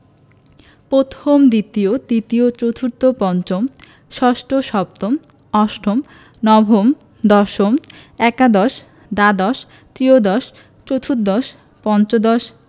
প্রথম দ্বিতীয় তৃতীয় চতুর্থ পঞ্চম ষষ্ঠ সপ্তম অষ্টম নবম দশম একাদশ দ্বাদশ ত্ৰয়োদশ চতুর্দশ পঞ্চদশ